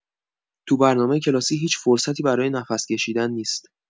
تو برنامه کلاسی هیچ فرصتی برای نفس‌کشیدن نیست